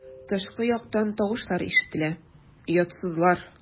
Тышкы яктан тавышлар ишетелә: "Оятсызлар!"